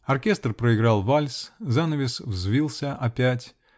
Оркестр проиграл вальс, занавес взвился опять.